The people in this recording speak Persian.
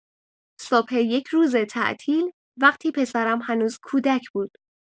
صبح یک روز تعطیل، وقتی پسرم هنوز کودک بود.